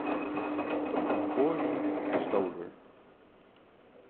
orðið er stórur